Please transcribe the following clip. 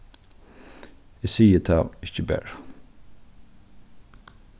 eg sigi tað ikki bara